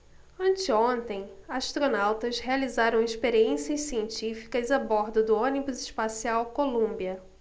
anteontem astronautas realizaram experiências científicas a bordo do ônibus espacial columbia